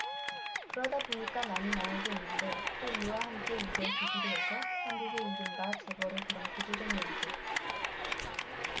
그러다 보니까 많이 나오고 있는데 또 이와 함께 이걸 계기로 해서 한국의 이른바 재벌의 그런 구조적 문제